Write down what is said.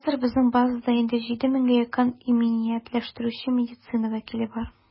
Хәзер безнең базада инде 7 меңгә якын иминиятләштерүче медицина вәкиле бар.